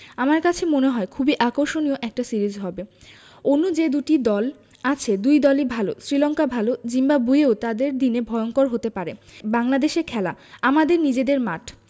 আমার কাছে মনে হয় খুবই আকর্ষণীয় একটা সিরিজ হবে অন্য যে দুটি দল আছে দুই দলই ভালো শ্রীলঙ্কা ভালো জিম্বাবুয়েও তাদের দিনে ভয়ংকর হতে পারে বাংলাদেশে খেলা আমাদের নিজেদের মাঠ